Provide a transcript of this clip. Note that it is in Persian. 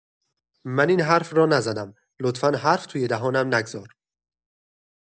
من این حرف را نزدم، لطفا حرف توی دهانم نگذار!